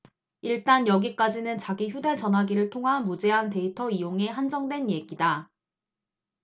일단 여기까지는 자기 휴대전화기를 통한 무제한 데이터 이용에 한정된 얘기다